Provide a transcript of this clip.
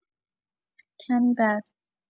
کمی بعد